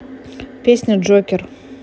песня джокер